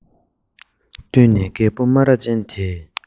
བསྟུན ནས རྒད པོ སྨ ར ཅན དེས